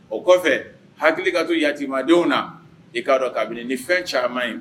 O kɔfɛ hakili ka to yatiimadenw na e k'a dɔn kabini ni fɛn caman ye